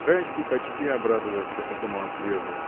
Райский почти обрадовался этому ответу.